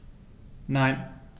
Nein.